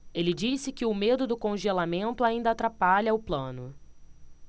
ele disse que o medo do congelamento ainda atrapalha o plano